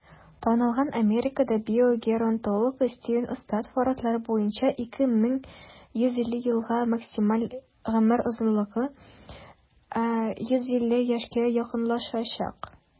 Танылган Америка биогеронтологы Стивен Остад фаразлары буенча, 2150 елга максималь гомер озынлыгы 150 яшькә якынлашачак.